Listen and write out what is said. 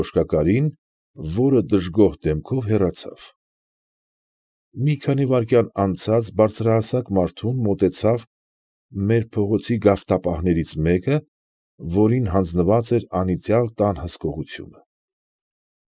Կոշկակարին, որը դժգոհ դեմքով հեռացավ. Մի քանի վայրկյան անցած բարձրահասակ մարդուն մոտեցավ մեր փողոցի գավթապահներից մեկը, որին հանձնված էր անիծյալ տան հսկողությունը։